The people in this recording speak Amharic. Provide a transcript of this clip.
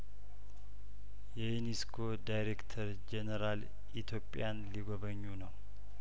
የዩኒስኮ ዳይሬክተር ጄኔራል ኢትዮጵያን ሊጐበኙ ነው